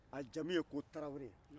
a jamu ko tarawele